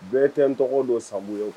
Bɛɛ tɛ n tɔgɔ don sa ye